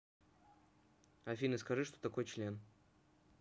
афина скажи что такое член